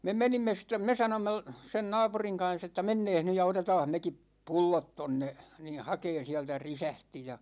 me menimme sitten me sanoimme - sen naapurin kanssa että mennäänpäs nyt ja otetaanpas mekin pullot tuonne niin hakemaan sieltä resepti ja